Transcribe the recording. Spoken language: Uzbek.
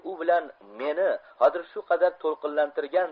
u bilan meni hozir shu qadar to'lqinlantirgan